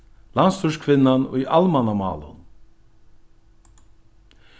landsstýriskvinnan í almannamálum